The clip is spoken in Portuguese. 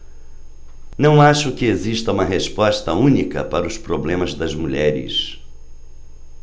não acho que exista uma resposta única para os problemas das mulheres